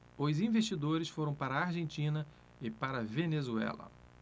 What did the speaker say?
os investidores foram para a argentina e para a venezuela